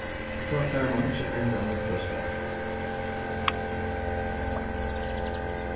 og tá fær mann ikki pengarnar frá start